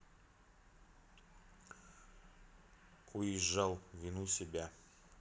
уезжал вину себя